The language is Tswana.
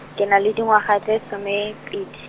ke na le dingwaga tse some pedi.